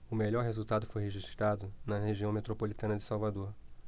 o melhor resultado foi registrado na região metropolitana de salvador